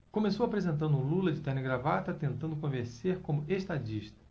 começou apresentando um lula de terno e gravata tentando convencer como estadista